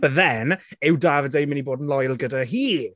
But then, yw Davide yn mynd i bod yn loyal gyda hi?